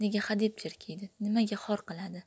nega hadeb jerkiydi nimaga xor qiladi